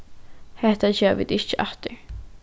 hetta gera vit ikki aftur